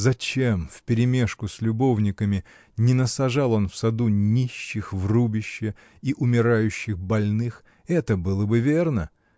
— Зачем, вперемежку с любовниками, не насажал он в саду нищих в рубище и умирающих больных: это было бы верно!.